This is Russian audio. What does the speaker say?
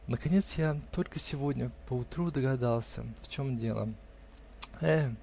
Наконец я только сегодня поутру догадался, в чем дело. Э!